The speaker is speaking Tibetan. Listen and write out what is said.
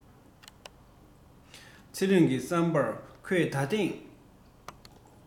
ཚེ རིང གི བསམ པར ཁོས ད ཐེངས